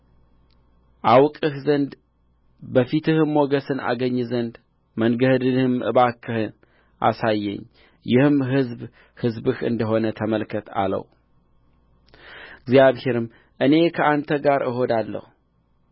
አውቅህ ዘንድ በፊትህም ሞገስን አገኝ ዘንድ መንገድህን እባክህ አሳየኝ ይህም ሕዝብ ሕዝብህ እንደ ሆነ ተመልከት አለው እግዚአብሔርም እኔ ከአንተ ጋር እሄዳለሁ